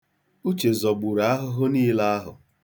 Uche zọgburu ahụhụ niile ahụ.